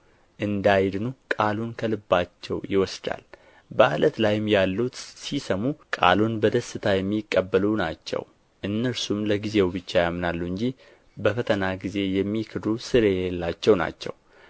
እንዳይድኑ ቃሉን ከልባቸው ይወስዳል በዓለት ላይም ያሉት ሲሰሙ ቃሉን በደስታ የሚቀበሉ ናቸው እነርሱም ለጊዜው ብቻ ያምናሉ እንጂ በፈተና ጊዜ የሚክዱ ሥር የሌላቸው ናቸው